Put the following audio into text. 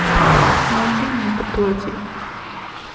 найди мне это платье